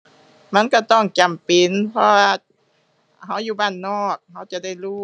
มันก็ต้องจำเป็น เพราะว่าก็อยู่บ้านนอกก็จะได้รู้